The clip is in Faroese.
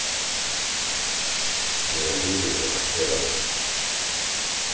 meðan bilurin er parkeraður